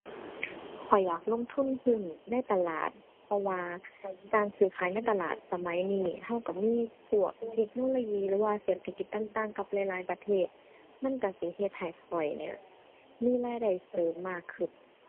ข้อยอยากลงทุนหุ้นในตลาด เพราะว่าการซื้อขายในตลาดสมัยนี้เราเรามีพวกเทคโนโลยี หรือว่าเศรษฐกิจต่างต่างกับหลายหลายประเทศ มันเราสิเฮ็ดให้ข้อยเนี่ย มีรายได้เสริมมากขึ้น